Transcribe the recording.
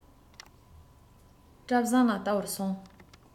བཀྲ བཟང ལ བལྟ བར སོང